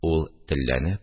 Ул телләнеп